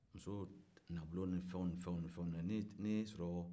i muso nabolo ni fɛnw ni fɛnw ni fɛnw